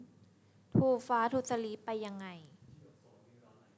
ทูฟาสต์ทูสลีบไปยังไง